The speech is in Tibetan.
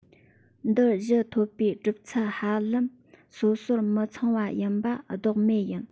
འདི བཞིན ཐོབ པའི གྲུབ ཚུལ ཧ ལམ སོ སོར མི མཚུངས པ ཡིན པ ལྡོག མེད ཡིན